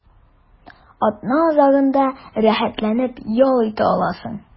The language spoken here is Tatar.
Атна азагында рәхәтләнеп ял итә аласың.